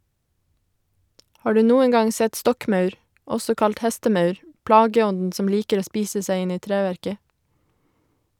Har du noen gang sett stokkmaur, også kalt hestemaur, plageånden som liker å spise seg inn i treverket?